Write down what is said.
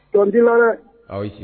i awɔ ye c